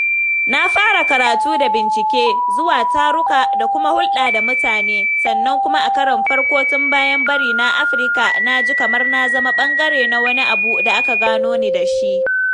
Na fara karatu da bincike, zuwa taruka, da kuma hulɗa da mutane, sannan kuma a karon farko tun bayan barina Afirka, na ji kamar na zama ɓangare na wani abu da aka gano ni dashi .